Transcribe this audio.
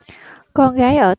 con gái ở